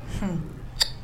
H